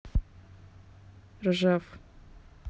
ржев